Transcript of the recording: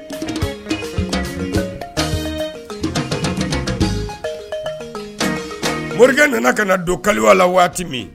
Mori nana ka na don kaliwa la waati min